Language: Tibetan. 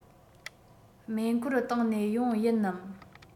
མེ འཁོར བཏང ནས ཡོང ཡིན ནམ